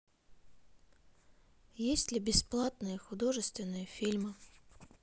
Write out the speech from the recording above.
есть ли бесплатные художественные фильмы